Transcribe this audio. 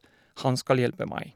Han skal hjelpe meg.